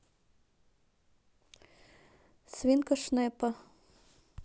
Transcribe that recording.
свинка шнепа